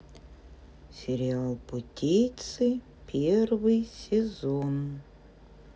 сериал путейцы первый сезон